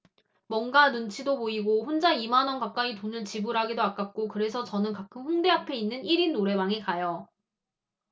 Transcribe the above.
뭔가 눈치도 보이고 혼자 이 만 원 가까이 돈을 지불하기도 아깝고 그래서 저는 가끔 홍대앞에 있는 일 인 노래방에 가요